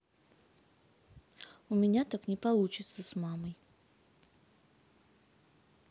у меня так не получится с мамой